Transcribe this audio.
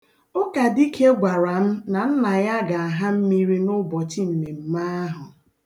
Ụkadike gwara m na nna ya ga-aha mmiri n'ụbọchị mmemme ahụ.